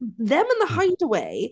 Them in the Hideaway.